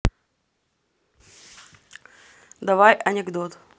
давай анекдот